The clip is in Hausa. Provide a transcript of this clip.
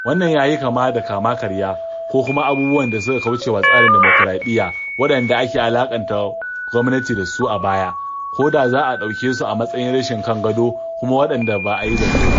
Wannan ya yi kama da kama-karya ko kuma abubuwan da suka kauce wa tsarin dimukuraɗiyya waɗanda ake alaƙanta gwamnati da su a baya, ko da za a ɗauke su a matsayin rashin kan gado, kuma waɗanda ba a yi zato ba.